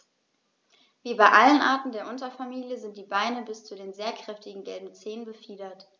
Wie bei allen Arten der Unterfamilie sind die Beine bis zu den sehr kräftigen gelben Zehen befiedert.